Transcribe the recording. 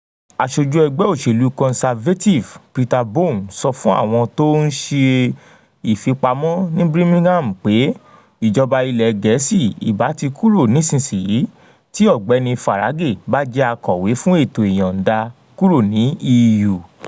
Alatako atẹhinwa Peteru Bone sọ fun iwọde ni Birmingham pe UK yoo 'ti jade' ni bayi bi Mr Farage bajẹ Akowe Brexit.